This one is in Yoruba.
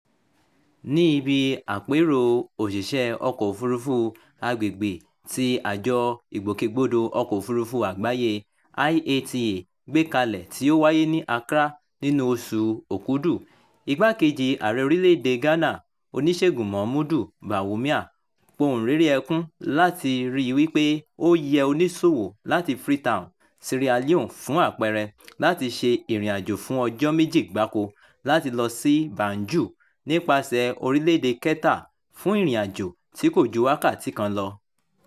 Ní ibi àpérò òṣìṣẹ́ ọkọ̀-òfuurufú agbègbè tí Àjọ Ìgbókègbódò Ọkọ̀-òfuurufú Àgbáyé (IATA) gbé kalẹ̀ tí ó wáyé ní Accra nínúu oṣù Òkúdù, Igbákejì Ààrẹ Orílẹ̀-èdèe Ghana, Oníṣègùn Mahamudu Bawumia pohùnréré-ẹkún látàríi wípé “ó yẹ oníṣòwò láti Freetown [Sierra Leone], fún àpẹẹrẹ, láti ṣe ìrìnàjò fún ọjọ́ méjì gbáko láti lọ sí Banjul (nípasẹ̀ẹ orílẹ̀-èdè kẹ́ta) fún ìrìnàjò tí kò ju wákàtí kan lọ.“